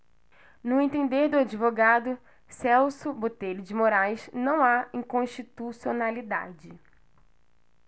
no entender do advogado celso botelho de moraes não há inconstitucionalidade